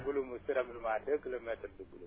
gouloumbou * deux kilomètres de goudira